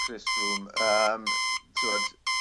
Chris Froome yym t'wod